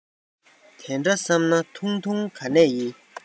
དེ འདྲ བསམས ན ཐུང ཐུང ག ནས ཡིན